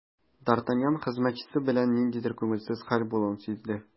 Д’Артаньян хезмәтчесе белән ниндидер күңелсез хәл булуын сизде.